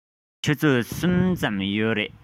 ཆུ ཚོད གསུམ ཙམ ཡོད རེད